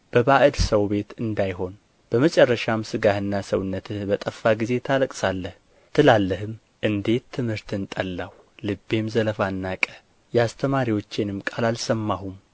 በባዕድ ሰው ቤት እንዳይሆን በመጨረሻም ሥጋህና ሰውነትህ በጠፋ ጊዜ ታለቅሳለህ ትላለህም እንዴት ትምህርትን ጠላሁ ልቤም ዘለፋን ናቀ የአስተማሪዎቼንም ቃል አልሰማሁም